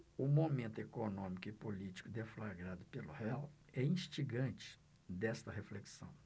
o momento econômico e político deflagrado pelo real é instigante desta reflexão